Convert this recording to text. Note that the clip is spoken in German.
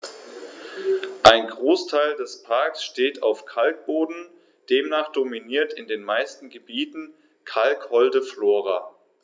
Ein Großteil des Parks steht auf Kalkboden, demnach dominiert in den meisten Gebieten kalkholde Flora.